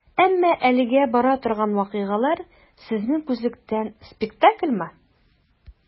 Әмма әлегә бара торган вакыйгалар, сезнең күзлектән, спектакльмы?